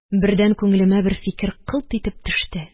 Бердән күңелемә бер фикер кылт итеп төште.